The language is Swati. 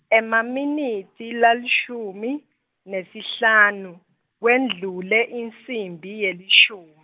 Emaminitsi lalishumi, nesihlanu, kwendlule insimbi yelishum-.